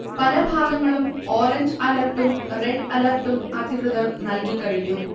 പലഭാഗങ്ങളും orange അലർട്ടും, red അലർട്ടും അധികൃതർ നല്കികഴിഞ്ഞു